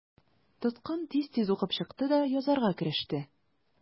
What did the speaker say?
Тоткын тиз-тиз укып чыкты да язарга кереште.